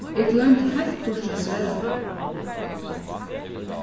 eg gloymdi heilt burtur at svara tær